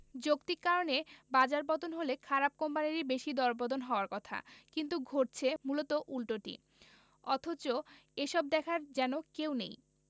যৌক্তিক কারণে বাজারে পতন হলে খারাপ কোম্পানিরই বেশি দরপতন হওয়ার কথা কিন্তু ঘটছে মূলত উল্টোটি অথচ এসব দেখার যেন কেউ নেই